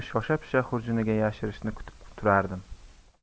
xurjuniga yashirishini kutib turardim